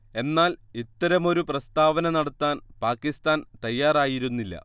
എന്നാൽ ഇത്തരമൊരു പ്രസ്താവന നടത്താൻ പാകിസ്താൻ തയ്യാറായിരുന്നില്ല